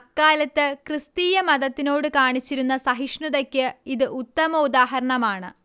അക്കാലത്ത് ക്രിസ്തീയ മതത്തിനോടു കാണിച്ചിരുന്ന സഹിഷ്ണുതക്ക് ഇത് ഉത്തമോദാഹരണമാണ്